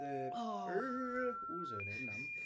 the... Oo ...who was her name now?